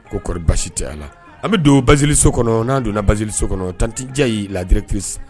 Koɔri basi caya la an bɛ don basizali so kɔnɔ n'an donna basizeli so kɔnɔ 1jayi laadiretisi